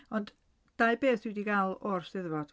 Ond dau beth dwi 'di gael o'r 'Steddfod...